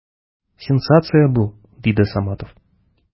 Сенсация бу! - диде Саматов.